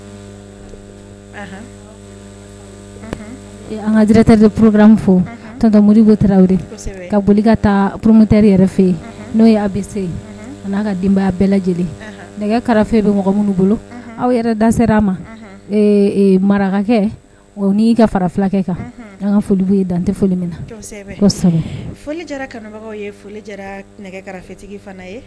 Ka boli ka taa porote n' bɛ se n'a ka denbaya bɛɛ lajɛlen nɛgɛ karafe bɛ minnu bolo aw yɛrɛ da sera ma marakakɛ n'i ka fara filakɛ kan ka foli ye dantɛ foli min na